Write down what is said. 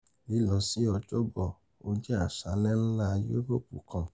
Lílọsí Ọ̀jọbọ, ó jẹ́ àṣálẹ́ ńlá Yúróòpù kan.